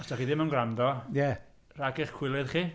Os dach chi ddim yn gwrando... Ie. ...Rhag eich cywilydd chi.